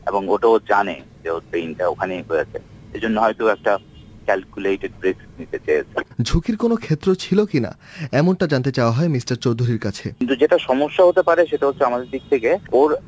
এবং ওটা ও জানে তার পেইনটা ওখানে হয়েছে এজন্য হয় তো ক্যালকুলেটেড রিস্ক নিতে চেয়েছে ঝুঁকির কোন ক্ষেত্র ছিল কি না এমন টা জানতে চাওয়া হয় মিস্টার চৌধুরীর কাছে কিন্তু যেটা সমস্যা হতে পারে সেটা হচ্ছে আমাদের দিক থেকে ওর